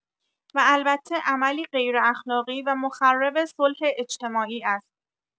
و البته عملی غیراخلاقی و مخرب صلح اجتماعی است.